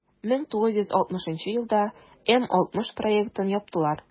1960 елда м-60 проектын яптылар.